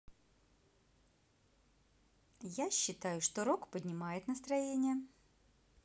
я считаю что рок поднимает настроение